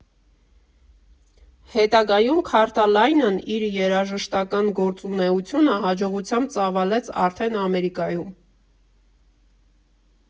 Հետագայում Քարթալյանն իր երաժշտական գործունեությունը հաջողությամբ ծավալեց արդեն Ամերիկայում։